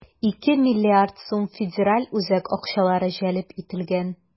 2 млрд сум федераль үзәк акчалары җәлеп ителгән.